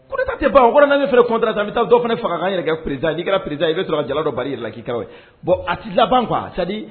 Tatɛ ban' fɛ kɔntara sisan an bɛ taa dɔ fana fangakan yɛrɛ kɛ perezjiira perez i bɛ dɔrɔn a jaladɔ bari la k'i ye bɔn a ti laban kuwa a